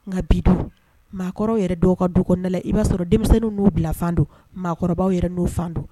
Nka bi mɔgɔkɔrɔbaw yɛrɛ dɔw ka duda i b'a sɔrɔ denmisɛnnin n'u bila fan don mɔgɔkɔrɔbaw yɛrɛ n'uo fan don